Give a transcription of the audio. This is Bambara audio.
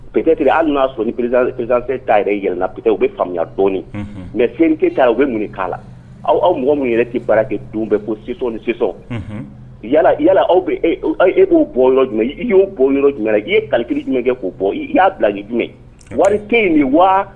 Pptetiri hali n'a son pzz ta yɛrɛ yɛlɛna ppite u bɛ faamuyaya dɔɔnini mɛ seli ke ta u bɛ mun k' la aw aw mɔgɔ minnu yɛrɛ tɛ baara kɛ don bɛ ko si ni si yala yala aw bɛ' bɔ yɔrɔ jumɛn i y'o bɔ yɔrɔ jumɛn i ye kaliki jumɛn kɛ k'o bɔ i y'a bila jumɛn wari tɛ in nin wa